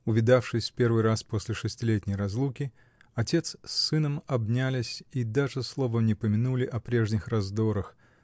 Увидавшись в первый раз после шестилетней разлуки, отец с сыном обнялись и даже словом не помянули о прежних раздорах